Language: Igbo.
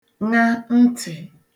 ṅa ntị̀